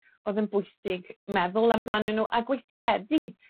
odd yn bwysig meddwl amdanyn nw, a gweithredu